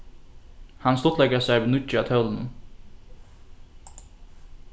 hann stuttleikaði sær við nýggja tólinum